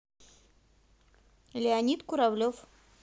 леонид куравлев